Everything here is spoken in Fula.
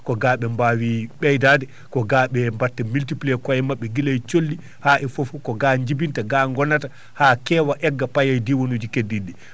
ko gaa ɓe mbaawi ɓeydaade ko gaa ɓe mbatta multiplié koye maɓɓe gila e colli haa e fof fof ko jinbinta ko gaa gonata haa keewa egga payaye diwaanuuji keddiɗi ɗii